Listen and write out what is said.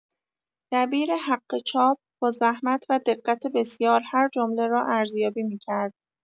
دبیر حق چاپ، با زحمت و دقت بسیار هر جمله را ارزیابی می‌کرد.